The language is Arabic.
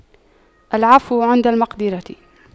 العفو عند المقدرة